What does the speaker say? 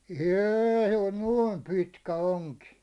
ei oli noin pitkä onki